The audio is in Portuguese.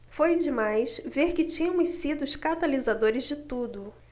foi demais ver que tínhamos sido os catalisadores de tudo